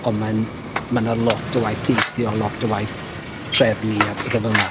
ond mae'n... ma' 'na lot o waith deithio lot o waith trefnu a pethe fel yna.